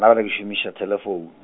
gona bjale ke šomiša thelefoune.